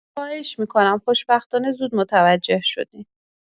خواهش می‌کنم، خوشبختانه زود متوجه شدین.